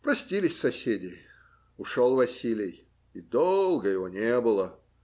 Простились соседи; ушел Василий, и долго его не было.